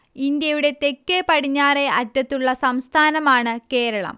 ഇന്ത്യയുടെ തെക്കേപടിഞ്ഞാറെ അറ്റത്തുള്ള സംസ്ഥാനമാണ് കേരളം